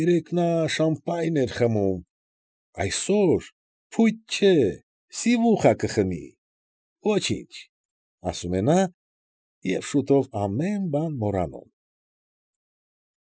Երեկ նա շամպայն էր խմում, այսօր, փույթ չէ, սիվուխա կխմի։ «Ոչինչ»,֊ ասում է նա և շուտով ամեն բան մոռանում։